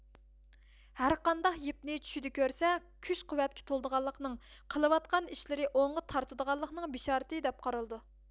ھەرقانداق يىپنى چۈشىدە كۆرسە كۈچ قۈۋۋەتكە تولىدىغانلىقنىڭ قىلىۋاتقان ئىشلىرى ئوڭغا تارتىدىغانلىقنىڭ بىشارىتى دەپ قارىلىدۇ